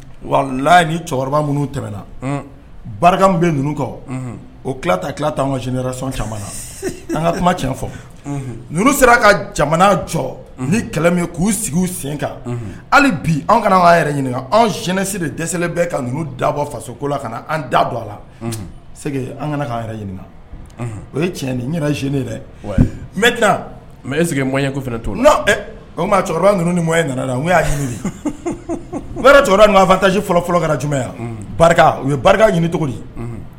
La ni cɛkɔrɔba minnu tɛmɛna barika bɛ kɔ o an sera ka jɔ ni k'u sigi sen hali bi an kana yɛrɛ ɲini anwsi de dɛsɛ bɛ ka dabɔ faso ko la ka na an da don a la an kana' yɛrɛ ɲini o ye tiɲɛ ni yɛrɛ z yɛrɛ n taa mɛ e sigi ko fana to n o cɛkɔrɔba ninnu mɔye nana y'a ɲini u cɛkɔrɔbafata fɔlɔfɔlɔ kɛra jumɛnya ye barika ɲini cogodi